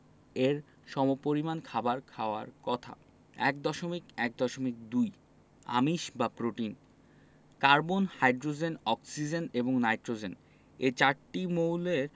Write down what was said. এর সমপরিমান খাবার খাওয়ার কথা ১.১.২ আমিষ বা প্রোটিন কার্বন হাইড্রোজেন অক্সিজেন এবং নাইট্রোজেন এ চারটি মৌলের